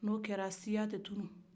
n'o kɛra siya tɛ tunun